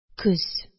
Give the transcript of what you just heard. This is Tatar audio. Көз